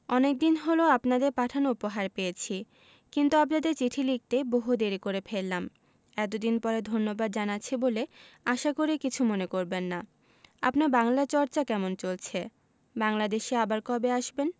অনেকদিন হল আপনাদের পাঠানো উপহার পেয়েছি কিন্তু আপনাদের চিঠি লিখতে বহু দেরী করে ফেললাম এতদিন পরে ধন্যবাদ জানাচ্ছি বলে আশা করি কিছু মনে করবেন না আপনার বাংলা চর্চা কেমন চলছে বাংলাদেশে আবার কবে আসবেন